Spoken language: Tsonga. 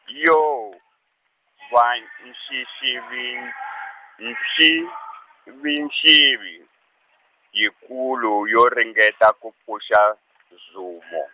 yo , va n-, nxixivi-, nxivinxivi, yikulu yo ringeta ku pfuxa , Zumo.